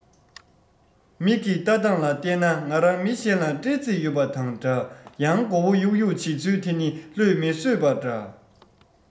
མིག གིས ལྟ སྟངས ལ བལྟས ན ང རང མི གཞན ལ སྤྲད རྩིས ཡོད པ དང འདྲ ཡང མགོ བོ གཡུག གཡུག བྱེད ཚུལ དེ ནི བློས མི བཟོད པ འདྲ